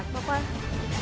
bỏ qua